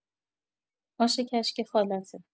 آش کشک خالته!